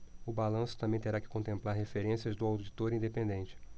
o balanço também terá que contemplar referências do auditor independente